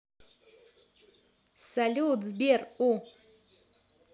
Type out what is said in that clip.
салют сбер у